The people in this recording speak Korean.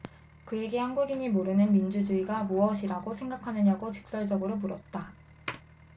그에게 한국인이 모르는 민주주의가 무엇이라고 생각하느냐고 직설적으로 물었다